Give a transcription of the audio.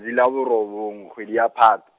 sila bo robong, kgwedi ya Phato.